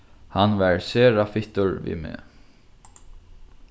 hann var sera fittur við meg